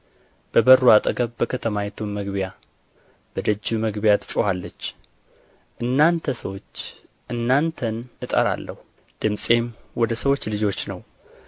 በበሩ አጠገብ በከተማይቱም መግቢያ በደጁ መግቢያ ትጮኻለች እናንተ ሰዎች እናንተን እጠራለሁ ድምፄም ወደ ሰዎች ልጆች ነው